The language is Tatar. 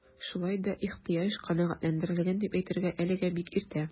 Шулай да ихтыяҗ канәгатьләндерелгән дип әйтергә әлегә бик иртә.